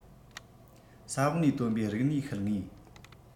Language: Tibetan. ས འོག ནས བཏོན པའི རིག གནས ཤུལ དངོས